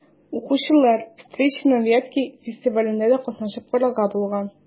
Укучылар «Встречи на Вятке» фестивалендә дә катнашып карарга булган.